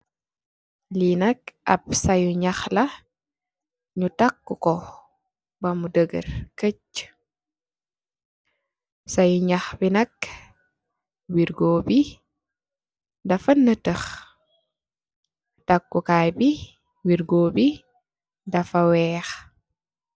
Li nak ap sayu ñax la ñu taka ko ba mu dágar kac. Sa yu ñax bi nak wirgo bi dafa natax, taku kai bi wirgo bi dafa wèèx.